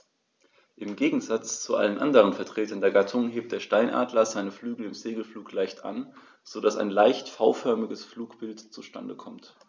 Im Gegensatz zu allen anderen Vertretern der Gattung hebt der Steinadler seine Flügel im Segelflug leicht an, so dass ein leicht V-förmiges Flugbild zustande kommt.